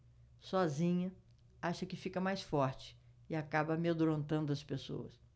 sozinha acha que fica mais forte e acaba amedrontando as pessoas